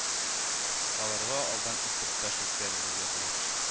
Аларга алдан инструктаж үткәрелергә тиеш